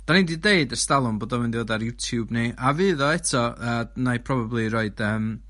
'dan ni' di deud ers talwm bod o'n mynd i ddod ar YouTube neu a fydd o eto yy wnâi probably roid yym